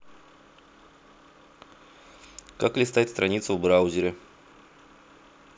как листать страницу в браузере